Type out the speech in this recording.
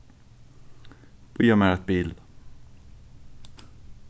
bíða mær eitt bil